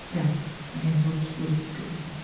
Ia, angen fod fwy disgybledig.